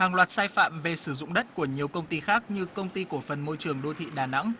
hàng loạt sai phạm về sử dụng đất của nhiều công ty khác như công ty cổ phần môi trường đô thị đà nẵng